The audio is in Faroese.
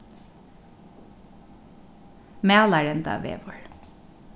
malarendavegur